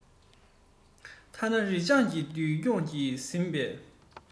ཐ ན རི སྤྱང གི འདུར འགྲོས ཀྱང གྱེས ཟིན པས